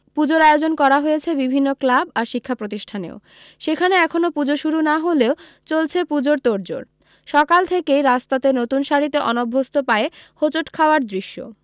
পূজোর আয়োজন করা হয়েছে বিভিন্ন ক্লাব আর শিক্ষা প্রতিষ্ঠানেও সেখানে এখনও পূজো শুরু না হলেও চলছে পূজোর তোড়জোড় সকাল থেকেই রাস্তাতে নতুন শাড়ীতে অনভ্যস্ত পায়ে হোঁচট খাওয়ার দৃশ্য